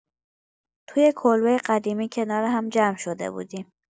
تو یه کلبه قدیمی کنار هم جمع شده بودیم.